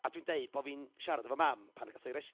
A dwi'n dweud bod fi'n siarad efo mam pan gath o ei arestio,